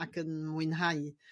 ag yn mwynhau